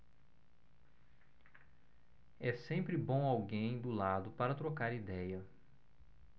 é sempre bom alguém do lado para trocar idéia